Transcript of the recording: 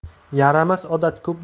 yaramas odat ko'p